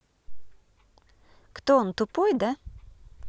кто он тупой да